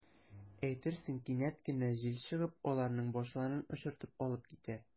Әйтерсең, кинәт кенә җил чыгып, аларның “башларын” очыртып алып китә.